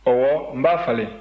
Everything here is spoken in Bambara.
ɔwɔ n b'a falen